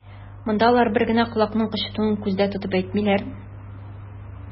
Монда алар бер генә колакның кычытуын күздә тотып әйтмиләр.